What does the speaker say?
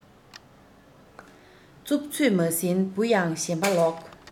རྩུབ ཚོད མ ཟིན བུ ཡང ཞེན པ ལོག